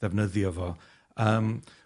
ddefnyddio fo yym